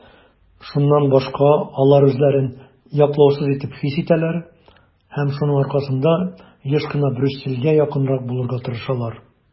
Шуннан башка алар үзләрен яклаусыз итеп хис итәләр һәм шуның аркасында еш кына Брюссельгә якынрак булырга тырышалар.